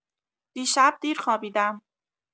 دیشب دیر خوابیدم.